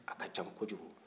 a ka can kojugu